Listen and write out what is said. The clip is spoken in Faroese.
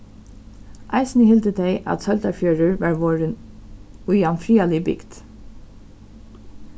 eisini hildu tey at søldarfjørður var vorðin íðan friðarlig bygd